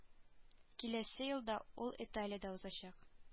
Киләсе елда ул италиядә узачак